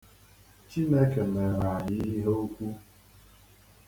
Chineke meere anyị ihe ukwu.